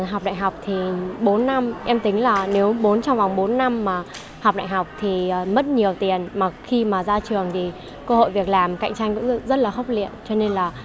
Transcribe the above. học đại học thì bốn năm em tính là nếu bốn trong vòng bốn năm mà học đại học thì mất nhiều tiền mà khi mà ra trường thì cơ hội việc làm cạnh tranh rất là khốc liệt cho nên là